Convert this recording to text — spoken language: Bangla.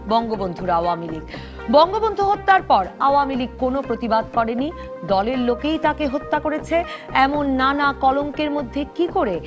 বঙ্গবন্ধুর আওয়ামী লীগ বঙ্গবন্ধু হত্যার পর আওয়ামী লীগ কোন প্রতিবাদ করেনি দলের লোকেই তাকে হত্যা করেছে এমন নানা কলঙ্কের মধ্যে কি করে